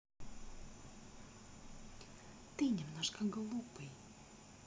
ты немножко глупый